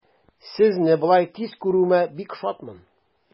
Сезне болай тиз күрүемә бик шатмын.